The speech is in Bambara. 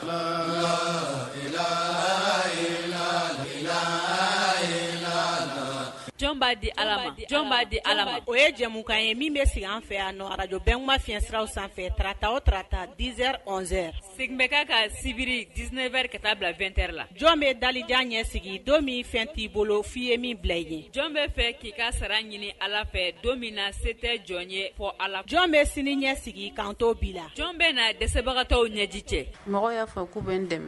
A di jɔn'a di ala o ye jɛmukan ye min bɛ sigi an fɛ ajjɔ bɛnma fi fiɲɛsiraw sanfɛ tata o tata diz segin bɛ ka ka sibiri disinɛɛrɛ ka taa bila2t la jɔn bɛ dalijan ɲɛ sigi don min fɛn t'i bolo f'i ye min bila i ye jɔn bɛ fɛ k'i ka sara ɲini ala fɛ don min na se tɛ jɔn ye fɔ a la jɔn bɛ sini ɲɛ sigi kan bi la jɔn bɛ na dɛsɛbagatɔw ɲɛji cɛ mɔgɔ y'a